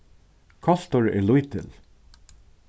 koltur er lítil